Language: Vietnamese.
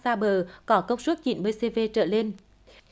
xa bờ có công suất chín mươi xê pê trở lên